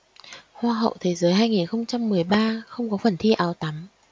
hoa hậu thế giới hai nghìn không trăm mười ba không có phần thi áo tắm